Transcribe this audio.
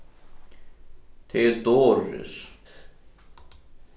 tað er doris